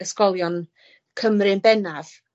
ysgolion Cymru yn bennaf